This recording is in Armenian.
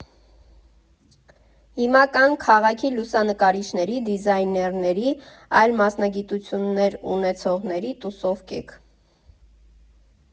Հիմա կան քաղաքի լուսանկարիչների, դիզայներների, այլ մասնագիտություններ ունեցողների «տուսովկեք»։